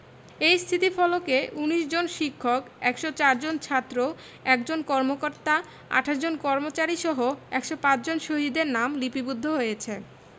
এই স্থিতিফলকে ১৯ জন শিক্ষক ১০৪ জন ছাত্র ১ জন কর্মকর্তা ২৮ জন কর্মচারীসহ ১৫০ জন শহীদের নাম লিপিবদ্ধ হয়েছে